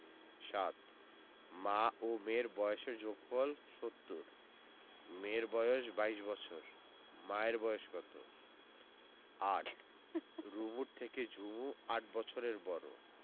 ৭ মা ও মেয়ের বয়সের যোগফল ৭০ মেয়ের বয়স ২২ বছর মায়ের বয়স কত ৮ রুমুর থেকে ঝুমু ৮ বছরের বড়